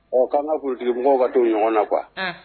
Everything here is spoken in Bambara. Ɔ k'an ka kulutigimɔgɔw ka to ɲɔgɔn na qu